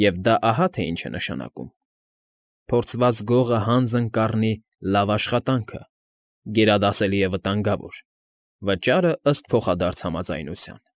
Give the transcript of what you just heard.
Եվ դա ահա թե ինչ է նշանակում. «Փորձված գողը հանձն կառնի լավ աշխատանքը, գերադասելի է վտանգավոր, վճարը ըստ փոխադարձ համաձայնության»։